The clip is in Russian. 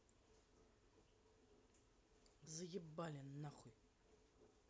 заебали нахуй